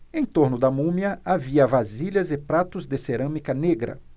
em torno da múmia havia vasilhas e pratos de cerâmica negra